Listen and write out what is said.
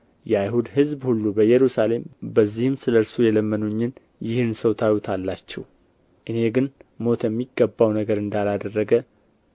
የአይሁድ ሕዝብ ሁሉ በኢየሩሳሌም በዚህም ስለ እርሱ የለመኑኝን ይህን ሰው ታዩታላችሁ እኔ ግን ሞት የሚገባውን ነገር እንዳላደረገ